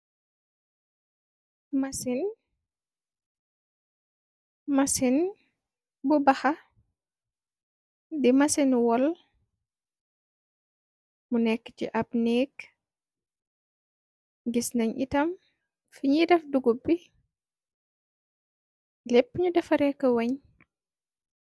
Man masin bu baxa di masin wol mu nekk ci ab neek gis nañ itam fiñiy def dugup bi lepp ñu defaree ko weñ.